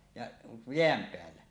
ja jään päällä